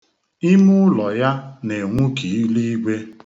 Ime ụlọ ya na-enwu ka eluigwe.